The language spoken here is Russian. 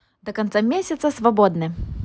до конца месяца свободы